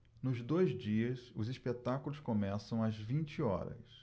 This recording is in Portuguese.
nos dois dias os espetáculos começam às vinte horas